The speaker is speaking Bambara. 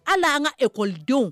Ala y'an ka ekodenw